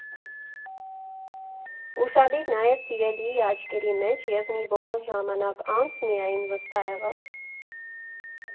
Ուշադիր նայեց սիրելիի աչքերի մեջ և մի որոշ ժամանակ անց միայն վստահ եղավ։